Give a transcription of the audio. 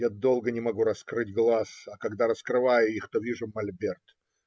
Я долго не могу раскрыть глаз, а когда раскрываю их, то вижу мольберт